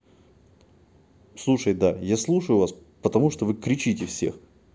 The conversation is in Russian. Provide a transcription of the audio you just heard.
слушай да я слушаю вас потому что вы кричите всех